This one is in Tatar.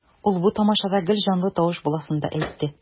Ул бу тамашада гел җанлы тавыш буласын да әйтте.